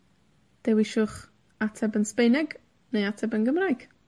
Dewiswch ateb yn Sbaeneg, neu ateb yn Gymraeg.